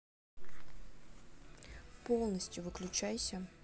полностью выключайся